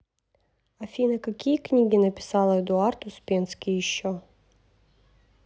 афина какие книги написал эдуард успенский еще